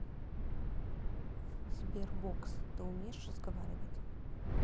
sberbox ты умеешь разговаривать